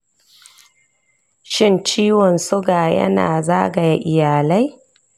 shin ciwon suga ya na zagaya iyalai?